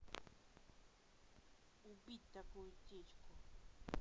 убить такую течку